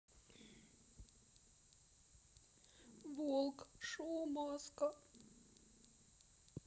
волк шоу маска